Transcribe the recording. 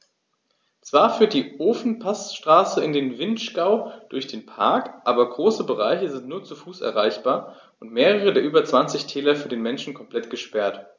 Zwar führt die Ofenpassstraße in den Vinschgau durch den Park, aber große Bereiche sind nur zu Fuß erreichbar und mehrere der über 20 Täler für den Menschen komplett gesperrt.